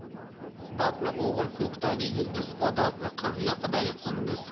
odobli o'g'il ko'kdagi yulduz odobli qiz yoqadagi qunduz